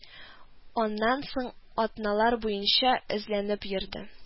Аннан соң атналар буенча эзләнеп йөрде